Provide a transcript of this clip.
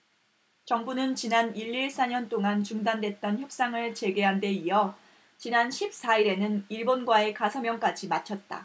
정부는 지난 일 일 사 년 동안 중단됐던 협상을 재개한 데 이어 지난 십 사 일에는 일본과의 가서명까지 마쳤다